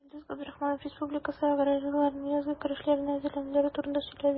Илдус Габдрахманов республика аграрийларының язгы кыр эшләренә әзерләнүләре турында сөйләде.